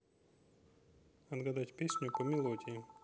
отгадать песню по мелодии